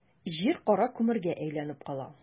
Җир кара күмергә әйләнеп кала.